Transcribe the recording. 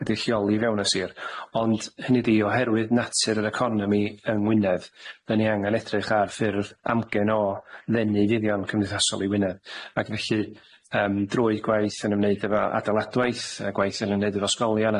wedi'i lleoli fewn y Sir ond hynny ydi oherwydd natur yr economi yng Ngwynedd dy ni angan edrych ar ffurf amgen o ddenu fuddion cymdeithasol i Wynedd ac felly yym drwy gwaith yn ymwneud efo adeiladwaith, yy gwaith yn ymwneud efo sgolion,